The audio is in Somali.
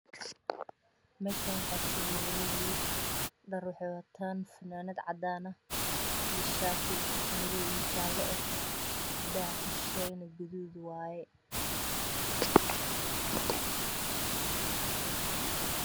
Meeshaan waxaa joogo labo wiil dharka ay wataan waa fanaanad cadaan ah iyo shaati madow iyo jaale ah. Daaha kashisheeya waa gaduud.